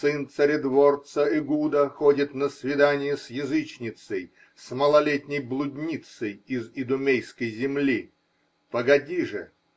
Сын царедворца Эгуда ходит на свидания с язычницей, с малолетней блудницей из идумейской земли! Погоди же!